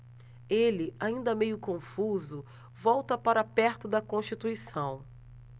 ele ainda meio confuso volta para perto de constituição